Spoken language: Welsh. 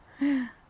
Ie .